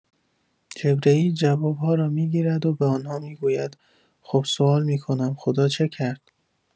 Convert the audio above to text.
جبرییل جواب‌ها را می‌گیرد و به آنها می‌گوید خب سوال می‌کنم خدا چه کرد؟